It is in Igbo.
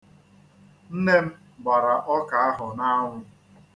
Nne m gbara ọka ahụ n'anwụ.